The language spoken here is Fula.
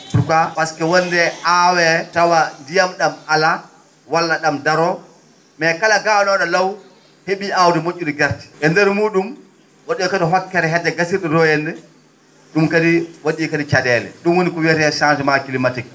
pourquoi pasque wonde aawee tawa ndiyam ?am alaa walla ?am daroo mais kala gaawnoo?o law he?ii aawdi mo??iri gerte e ndeer mu?um wa?e kadi hokkere hedde gasirde to henne ?um kadi wa?i kadi ca?eele ?um ko wiyetee changement climatique